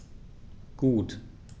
Gut.